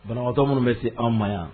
Banabagatɔ minnu bɛ se an ma yan